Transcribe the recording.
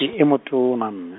ke e motona mme.